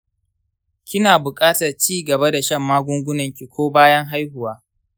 kina buƙatar ci gaba da shan magungunanki ko bayan haihuwa.